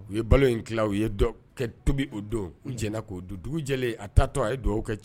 U ye balo in tila u ye dɔ kɛ tobi o don,u jɛna k'o dun. Dugu jɛlen a taa tɔ a ye dugawu kɛ c